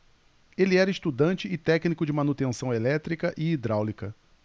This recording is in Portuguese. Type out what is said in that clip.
ele era estudante e técnico de manutenção elétrica e hidráulica